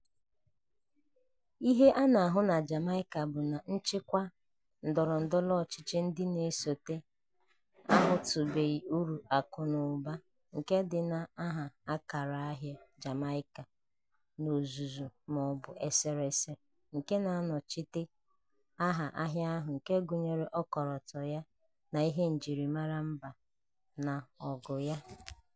Ihe a na-ahụ na Jamaica bụ na nchịkwa ndọrọ ndọrọ ọchịchị ndị na-esote ahụtụbeghi uru akụ na ụba nke dị n'aha ákàrà ahịa "Jamaica" n'ozuzu ma ọ bụ eserese nke [na-anọchite] aha ákàrà ahụ nke gụnyere ọkọlọtọ ya na ihe njirimara mba n'ọgụ ya.